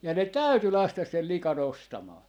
ja ne täytyi laskea sen likan ostamaan